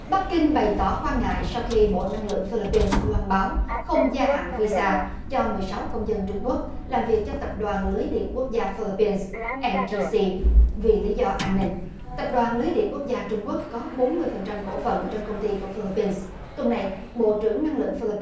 bắc kinh bày tỏ quan ngại sau khi bộ năng lượng phi líp pin loan báo không gia hạn vi sa cho mười sáu công dân trung quốc làm việc cho tập đoàn lưới điện quốc gia phi líp pin en di xi vì lý do an ninh tập đoàn lưới điện quốc gia trung quốc có bốn mươi phần trăm cổ phần trong công ty cổ phần phi líp pin tuần này bộ trưởng năng lượng phi líp